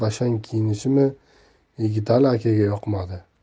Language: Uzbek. bashang kiyinishimi yigitali akaga yoqmadi